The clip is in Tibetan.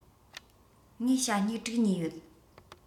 ངས ཞྭ སྨྱུག དྲུག ཉོས ཡོད